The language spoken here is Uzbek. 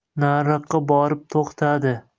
nariroqqa borib to'xtadi